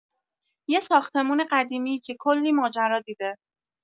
یه ساختمون قدیمی که کلی ماجرا دیده